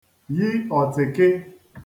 yi ọ̀tị̀kị